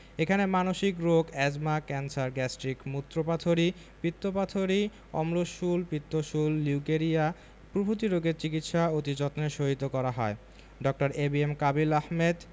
এখানে মানসিক রোগ এ্যজমা ক্যান্সার গ্যাস্ট্রিক মুত্রপাথড়ী পিত্তপাথড়ী অম্লশূল পিত্তশূল লিউকেরিয়া প্রভৃতি রোগের চিকিৎসা অতি যত্নের সহিত করা হয় ডাঃ A B M Kabil Ahmed